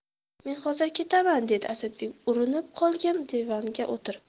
men hozir ketaman dedi asadbek urinib qolgan divanga o'tirib